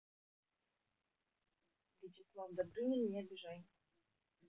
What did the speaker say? вячеслав добрынин не обижай